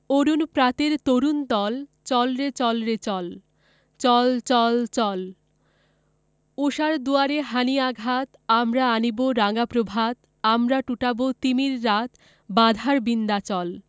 অরুণ প্রাতের তরুণ দল চল রে চল রে চল চল চল চল ঊষার দুয়ারে হানি আঘাত আমরা আনিব রাঙা প্রভাত আমরা টুটাব তিমির রাত বাধার বিন্ধ্যাচল